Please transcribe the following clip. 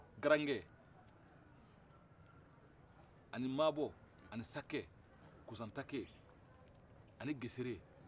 garange ani maabɔ ani sake gusantake ani gesere